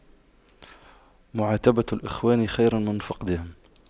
معاتبة الإخوان خير من فقدهم